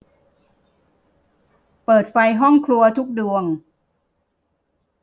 เปิดไฟห้องครัวทุกดวง